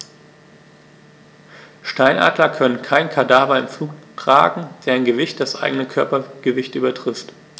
Steinadler können keine Kadaver im Flug tragen, deren Gewicht das eigene Körpergewicht übertrifft.